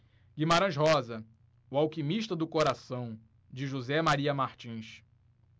guimarães rosa o alquimista do coração de josé maria martins